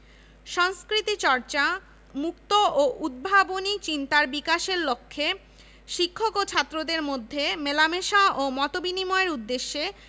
বিশ্ববিদ্যালয় একটি আধুনিক ছাত্র শিক্ষক কেন্দ্র টিএসসি নির্মাণ করছে